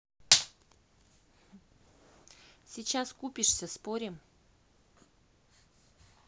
сейчас купишься спорим